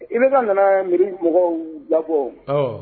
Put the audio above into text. IBK nana m airie mɔgɔw labɔ o;Ɔwɔ.